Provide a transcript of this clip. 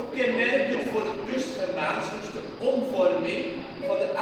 kenmerkend voor het Kustgermaans is de omvorming van de